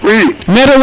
i